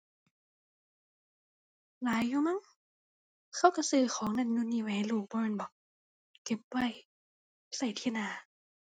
หลายอยู่มั้ง เขาก็ซื้อของนั้นโน้นนี้ไว้ให้ลูกบ่แม่นบ่ เก็บไว้ก็เที่ยหน้า